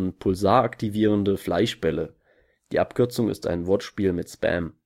pulsaraktivierenden Fleischbälle; die Abkürzung ist ein Wortspiel mit Spam